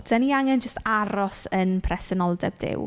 Dan ni angen jyst aros yn presenoldeb Duw.